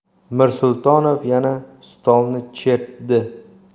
mirsultonov yana stolni chertdi